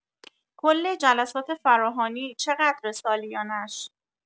کل جلسات فراهانی چقدره سالیانش؟